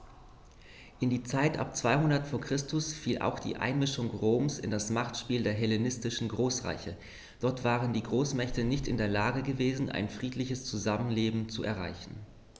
In die Zeit ab 200 v. Chr. fiel auch die Einmischung Roms in das Machtspiel der hellenistischen Großreiche: Dort waren die Großmächte nicht in der Lage gewesen, ein friedliches Zusammenleben zu erreichen.